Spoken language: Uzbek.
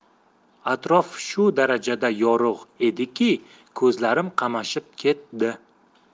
atrof shu darajada yorug' ediki ko'zlarim qamashib ketdi